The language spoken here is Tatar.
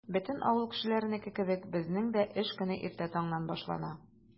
Бөтен авыл кешеләренеке кебек, безнең дә эш көне иртә таңнан башлана.